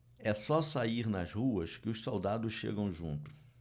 é só sair nas ruas que os soldados chegam junto